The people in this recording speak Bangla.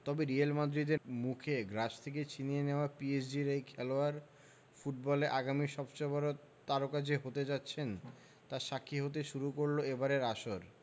তবে রিয়াল মাদ্রিদের মুখে গ্রাস থেকে ছিনিয়ে নেওয়া পিএসজির এই খেলোয়াড় ফুটবলে আগামীর সবচেয়ে বড় তারকা যে হতে যাচ্ছেন তার সাক্ষী হতে শুরু করল এবারের আসর